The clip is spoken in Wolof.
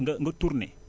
nga nga tourné